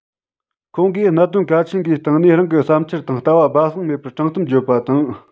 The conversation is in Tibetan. ཁོང གིས གནད དོན གལ ཆེན འགའི སྟེང ནས རང གི བསམ འཆར དང ལྟ བ སྦ གསང མེད པར དྲང གཏམ བརྗོད པ དང